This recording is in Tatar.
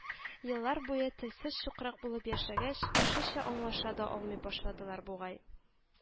Еллар буе телсез-чукрак булып яшәгәч, кешечә аңлаша да алмый башладылар бугай